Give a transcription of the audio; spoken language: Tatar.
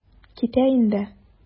Китә инде.